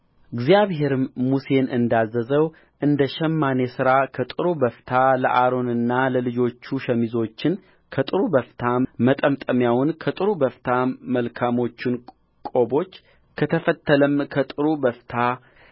እግዚአብሔርም ሙሴን እንዳዘዘው እንደ ሸማኔ ሥራ ከጥሩ በፍታ ለአሮንና ለልጆቹ ሸሚዞችን ከጥሩ በፍታም መጠምጠሚያውን ከጥሩ በፍታም መልካሞቹን ቆቦች ከተፈተለም ከጥሩ በፍታ